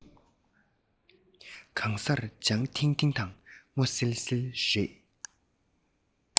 གང སར ལྗང ཐིང ཐིང དང སྔོ སིལ སིལ རེད